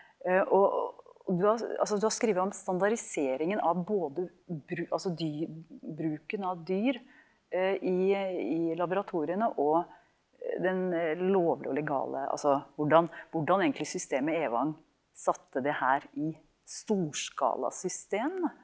og du altså du har skrevet om standardiseringen av både altså bruken av dyr i i laboratoriene, og den lovlige og legale altså hvordan hvordan egentlig systemet Evang satte det her i storskalasystem da.